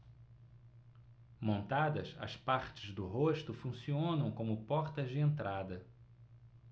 montadas as partes do rosto funcionam como portas de entrada